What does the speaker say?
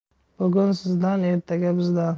bugun sizdan ertaga bizdan